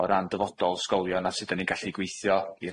o ran dyfodol ysgolion a sud 'dan ni'n gallu gweithio i